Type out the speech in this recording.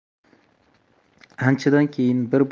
anchadan keyin bir